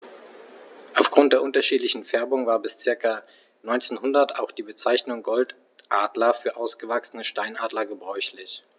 Auf Grund der unterschiedlichen Färbung war bis ca. 1900 auch die Bezeichnung Goldadler für ausgewachsene Steinadler gebräuchlich.